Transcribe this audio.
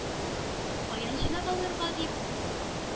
Каян җыйнап алырга? - дип,